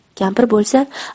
kampir bo'lsa